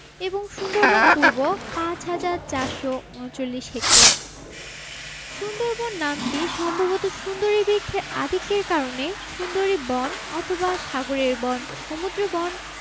এবং সুন্দরবন পূর্ব ৫হাজার ৪৩৯ হেক্টর সুন্দরবন নামটি সম্ভবত সুন্দরী বৃক্ষের আধিক্যের কারণে সুন্দরী বন অথবা সাগরের বন সমুদ্র বন